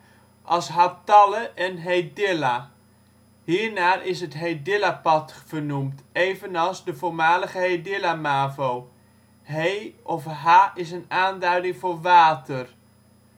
815/816 (' Hatalle ' en ' Hedilla '). Hiernaar is het Hedillapad vernoemd, evenals de voormalige HedillaMavo. ' He/ee ' of ' Ha/aa ' is een aanduiding voor water.